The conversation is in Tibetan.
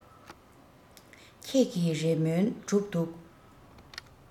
ཁྱེད ཀྱི རེ སྨོན སྒྲུབ འདུག